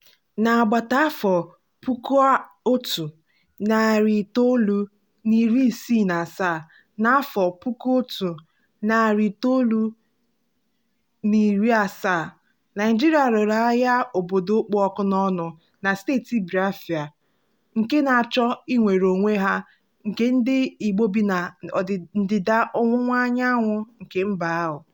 N'agbata afọ 1967 na afọ 1970, Naịjirịa lụrụ agha obodo kpụ ọkụ n'ọnụ na steeti Biafra nke na-achọ inwere onwe ya nke ndị Igbo bi n'ebe ndịda ọwụwa anyanwụ nke mba ahụ.